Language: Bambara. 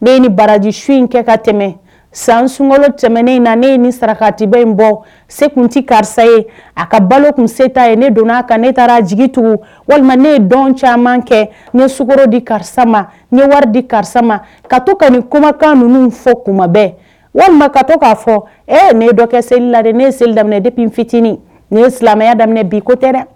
ne ye ni baraji su in kɛ ka tɛmɛ san sun tɛmɛn ne in na ne ye ni sarakatiba in bɔ se tun tɛ karisa ye a ka balo tun seta ye ne donna aa kan ne taara jigi tugun walima ne ye dɔn caman kɛ ne sukɔrɔ di karisa ma ne wari di karisa ma ka to kɔni komakan ninnu fɔ kuma bɛɛ walima ka to k'a fɔ ɛ ne dɔ kɛ seli la ne seli lamini de fitinin nin ye silamɛya daminɛ bi ko tɛ dɛ